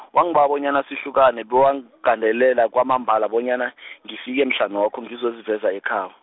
wangibawa bona sihlukane bewagandelela kwamambala bonyana , ngifike mhlanokho ngizoziveza ekhabo.